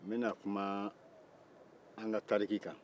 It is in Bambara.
n bɛna kuma an ka tariku kan